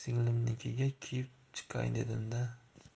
singlimnikiga kirib chiqay dedim